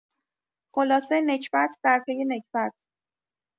خلاصه نکبت در پی نکبت!